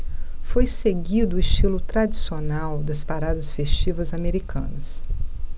foi seguido o estilo tradicional das paradas festivas americanas